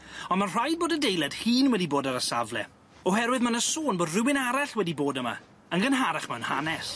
On' ma' rhaid bod adeiled hŷn wedi bod ar y safle oherwydd ma' 'na sôn bo' rywun arall wedi bod yma yn gynharach mewn hanes.